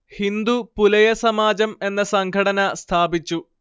ഹിന്ദു പുലയ സമാജം എന്ന സംഘടന സ്ഥാപിച്ചു